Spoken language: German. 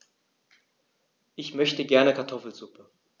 Ich möchte gerne Kartoffelsuppe.